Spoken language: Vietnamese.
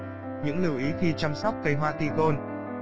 những lưu ý khi chăm sóc cây hoa tigon